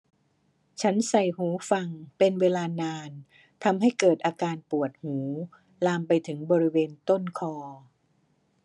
ฉันใส่หูฟังเป็นเวลานานทำให้เกิดอาการปวดหูลามไปถึงบริเวณต้นคอ